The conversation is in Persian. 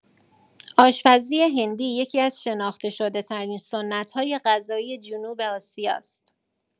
آشپزی هندی یکی‌از شناخته‌شده‌ترین سنت‌های غذایی جنوب آسیاست؛